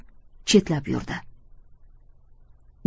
chetlab yurdi